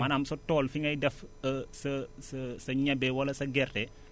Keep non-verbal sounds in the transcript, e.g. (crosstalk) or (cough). maanaam sa tool fi ngay def (hesitation) sa sa sa ñebe wala sa gerte